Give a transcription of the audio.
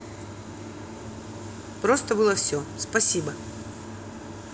просто было все спасибо